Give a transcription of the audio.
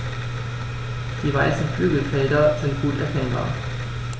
Die weißen Flügelfelder sind gut erkennbar.